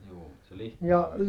juu mutta se lihtaaminen